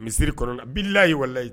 Misisiriri kɔnɔna billayi ye walelayi